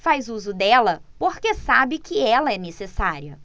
faz uso dela porque sabe que ela é necessária